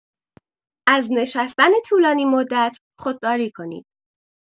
از نشستن طولانی‌مدت خودداری کنید.